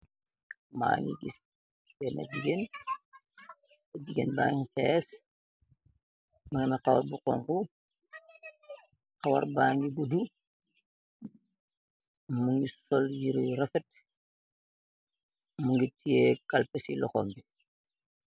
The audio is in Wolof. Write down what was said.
Maangy gis benah gigain, gigain baangy khess, manah karaw bu honhu, karaw bangy gudu, mungy sol yehreh yu rafet , mungy tiyeh kalpeh ci lokhom bi.